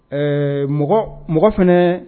Ɛɛ mɔgɔ mɔgɔ fana